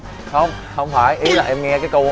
không không phải ý là em nghe cái câu